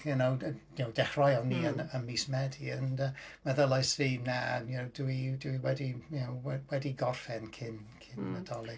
You know, dechreuon ni yn... yn mis Medi and meddyliais i; "na, you know, dwi wedi, you know, wedi gorffen cyn cyn cyn y Dolig".